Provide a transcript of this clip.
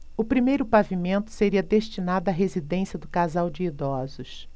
o primeiro pavimento seria destinado à residência do casal de idosos